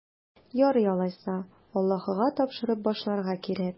Ярый алайса, Аллаһыга тапшырып башларга кирәк.